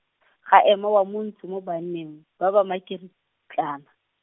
ga ema wa Montsho mo banneng, ba ba makiritlana-.